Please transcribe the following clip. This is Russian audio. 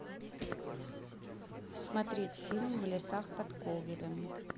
смотреть фильм в лесах под ковелем